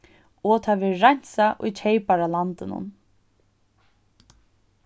og tað verður reinsað í keyparalandinum